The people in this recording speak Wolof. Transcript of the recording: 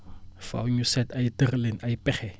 fàww ñu seet ay tëralin ay pexe